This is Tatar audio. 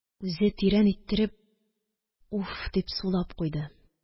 Үзе тирән иттереп «уф!» дип сулап куйды.